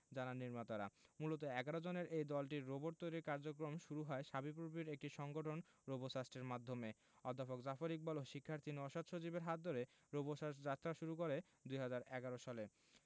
জানান নির্মাতারামূলত ১১ জনের এই দলটির রোবট তৈরির কার্যক্রম শুরু হয় শাবিপ্রবির একটি সংগঠন রোবোসাস্টের মাধ্যমে অধ্যাপক জাফর ইকবাল ও শিক্ষার্থী নওশাদ সজীবের হাত ধরে রোবোসাস্ট যাত্রা শুরু করে ২০১১ সালে